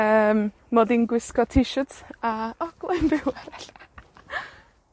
yym, mod i'n gwisgo t shirts a... O gloyn byw